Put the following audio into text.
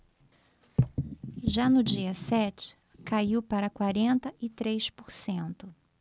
já no dia sete caiu para quarenta e três por cento